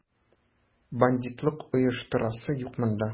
Бандитлык оештырасы юк монда!